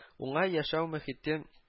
Уңай яшәү мохите